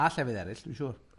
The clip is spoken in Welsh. A llefydd eryll, dwi'n siŵr.